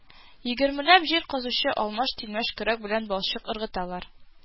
Егермеләп җир казучы алмаш-тилмәш көрәк белән балчык ыргыталар